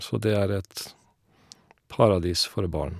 Så det er et paradis for barn.